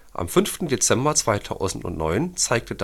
Am 5. Dezember 2009 zeigte